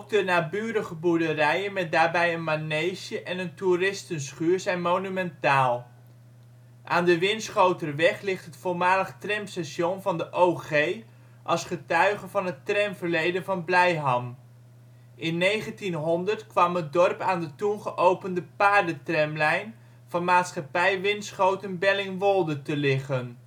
de naburige boerderijen met daarbij een manege en een toeristenschuur zijn monumentaal. Voormalig tramstation in Blijham Aan de Winschoterweg ligt het voormalig tramstation van de OG als getuige van het tramverleden van Blijham. In 1900 kwam het dorp aan de toen geopende paardentramlijn van Maatschappij Winschoten-Bellingwolde te liggen